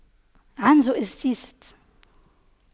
عنز استتيست